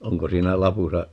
onko siinä lapussa